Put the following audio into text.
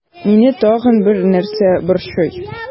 Мине тагын бер нәрсә борчый.